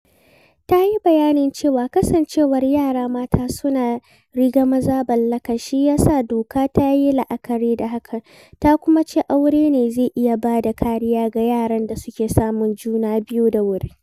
Ta yi bayanin cewa kasancewar yara mata suna riga maza balaga shi ya sa doka ta yi la'akari da hakan. Ta kuma ce aure ne zai iya ba da kariya ga yaran da suke samun juna biyu da wuri.